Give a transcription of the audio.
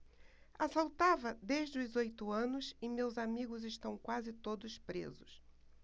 assaltava desde os oito anos e meus amigos estão quase todos presos